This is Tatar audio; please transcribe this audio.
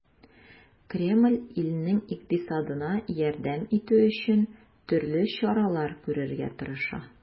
Кремль илнең икътисадына ярдәм итү өчен төрле чаралар күрергә тырыша.